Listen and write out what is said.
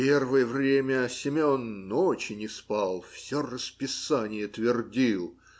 Первое время Семен ночи не спал, все расписание твердил